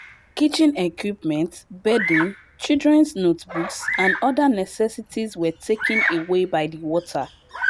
Kitchen equipment, bedding, children’s notebooks, and other necessities were taken away by the water.